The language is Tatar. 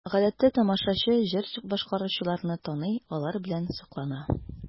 Гадәттә тамашачы җыр башкаручыларны таный, алар белән соклана.